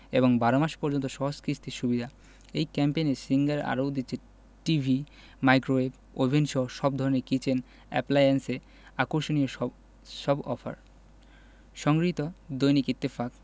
এবং ১২ মাস পর্যন্ত সহজ কিস্তি সুবিধা এই ক্যাম্পেইনে সিঙ্গার আরো দিচ্ছে টিভি মাইক্রোওয়েভ ওভেনসহ সব ধরনের কিচেন অ্যাপ্লায়েন্সে আকর্ষণীয় সব অফার সংগৃহীত দৈনিক ইত্তেফাক